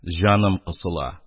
Җаным кысыла,